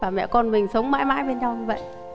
và mẹ con mình sống mãi mãi bên nhau như vậy